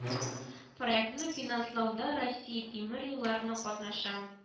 Проектны финанслауда россия тимер юлларына катнаша